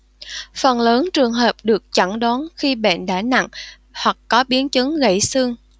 phần lớn trường hợp được chẩn đoán khi bệnh đã nặng hoặc có biến chứng gãy xương